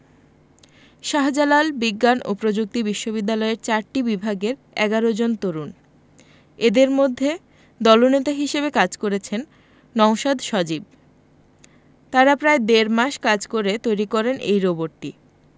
শাহজালাল বিজ্ঞান ও প্রযুক্তি বিশ্ববিদ্যালয়ের চারটি বিভাগের ১১ জন তরুণ এদের মধ্যে দলনেতা হিসেবে কাজ করেছেন নওশাদ সজীব তারা প্রায় দেড় মাস কাজ করে তৈরি করেন এই রোবটটি